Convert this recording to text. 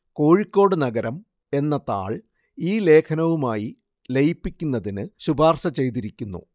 കോഴിക്കോട് നഗരം എന്ന താൾ ഈ ലേഖനവുമായി ലയിപ്പിക്കുന്നതിന് ശുപാർശ ചെയ്തിരിക്കുന്നു